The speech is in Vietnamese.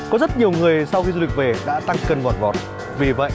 có rất nhiều người sau khi đi du lịch về đã tăng cân vòn vọt vì vậy